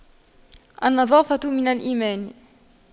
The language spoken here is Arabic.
النظافة من الإيمان